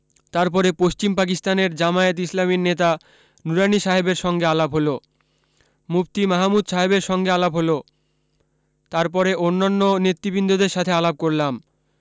তারপরে পশ্চিম পাকিস্তানের জামায়েত ইসলামীর নেতা নুরানি সাহেবের সংগে আলাপ হল মুফতি মাহমুদ সাহেবের সংগে আলাপ হল তারপরে অনন্য নেতৃবৃন্দদের সাথে আলাপ করলাম